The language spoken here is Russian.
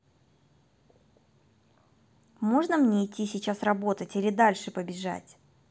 можно мне идти сейчас работать или дальше побежать